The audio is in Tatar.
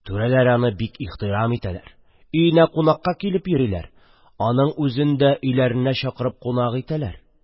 Түрәләр аны бик ихтирам итәләр, өенә кунакка килеп йөриләр, аның үзен дә өйләренә чакырып кунак итәләр.